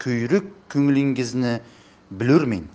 kuyrak ko'nglingizni bilurmen